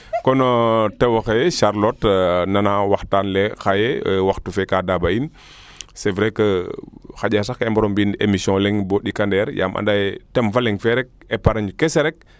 kon o tewoxe Charlote nana waxtan le xaye waxtu fee kaa daaba in c' est vrai que xaƴa sax ka i mbaro mbi in emission leŋ bo ndikandeer yaam anda ye theme fa leŋ fee rek epargne kese rek